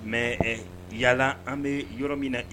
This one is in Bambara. Mɛ yalala an bɛ yɔrɔ min na